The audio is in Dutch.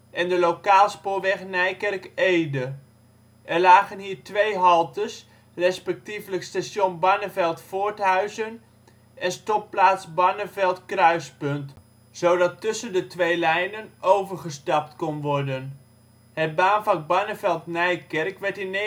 en de lokaalspoorweg Nijkerk - Ede. Er lagen hier twee haltes, respectievelijk station Barneveld-Voorthuizen en stopplaats Barneveld Kruispunt, zodat tussen de twee lijnen overgestapt kon worden. Het baanvak Barneveld-Nijkerk werd in 1937